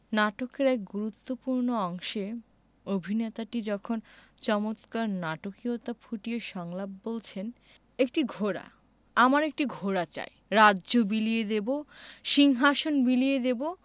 নাটকের এক গুরুত্তপূ্র্ণ অংশে অভিনেতাটি যখন চমৎকার নাটকীয়তা ফুটিয়ে সংলাপ বলছেন একটি ঘোড়া আমার একটি ঘোড়া চাই রাজ্য বিলিয়ে দেবো সিংহাশন বিলিয়ে দেবো